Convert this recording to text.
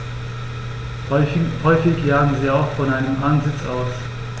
Häufig jagen sie auch von einem Ansitz aus.